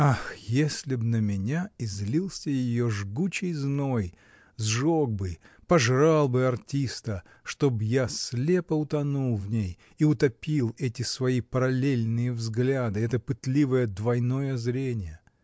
— Ах, если б на меня излился ее жгучий зной, сжег бы, пожрал бы артиста, чтоб я слепо утонул в ней и утопил эти свои параллельные взгляды, это пытливое, двойное зрение!